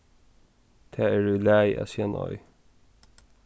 tað er í lagi at siga nei